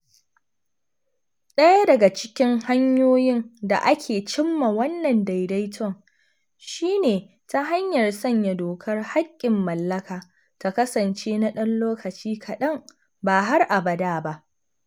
Ɗaya daga cikin hanyoyin da ake cimma wannan daidaiton shi ne ta hanyar sanya dokar haƙƙin mallaka ta kasance na ɗan lokaci kaɗan, ba har abada ba.